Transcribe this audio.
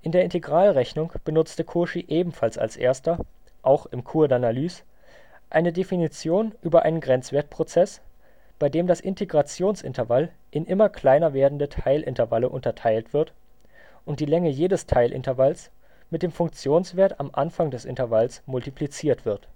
der Integralrechnung benutzte Cauchy ebenfalls als erster (auch im Cours d’ Analyse) eine Definition über einen Grenzwertprozess, bei dem das Integrationsintervall in immer kleiner werdende Teilintervalle unterteilt wird und die Länge jedes Teilintervalls mit dem Funktionswert am Anfang des Intervalls multipliziert wird